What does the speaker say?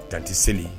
Tan tɛ seli